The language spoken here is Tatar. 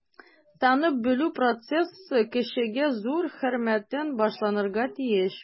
Танып-белү процессы кешегә зур хөрмәттән башланырга тиеш.